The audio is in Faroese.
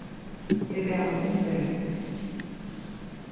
eg bað um umbering